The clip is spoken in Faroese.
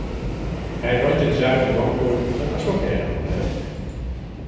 har er eingin træbrúgv longur men asfalteraður vegur